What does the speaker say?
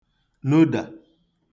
nodà